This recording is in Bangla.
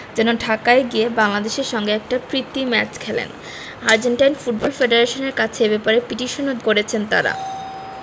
যেন ঢাকায় গিয়ে বাংলাদেশের সঙ্গে একটি প্রীতি ম্যাচ খেলেন আর্জেন্টাইন ফুটবল ফেডারেশনের কাছে এ ব্যাপারে পিটিশনও করেছেন তাঁরা